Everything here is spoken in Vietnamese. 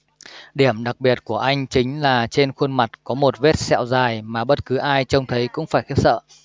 điểm đặc biệt của anh chính là trên khuôn mặt có một vết sẹo dài mà bất cứ ai trông thấy cũng phải khiếp sợ